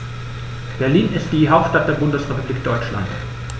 Berlin ist die Hauptstadt der Bundesrepublik Deutschland.